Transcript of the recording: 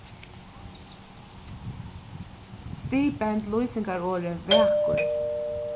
stigbend lýsingarorðið vakur